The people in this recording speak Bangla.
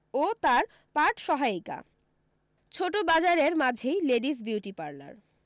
ও তার পাঠসহায়িকা ছোটো বাজারের মাঝেই লেডিস বিউটি পার্লার